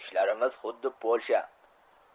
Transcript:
ishlarimiz xuddi polsha